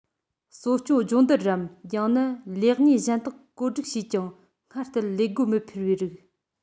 གསོ སྐྱོང སྦྱོང བརྡར རམ ཡང ན ལས གནས གཞན དག བགོ སྒྲིག བྱས ཀྱང སྔར ལྟར ལས སྒོ མི འཕེར བའི རིགས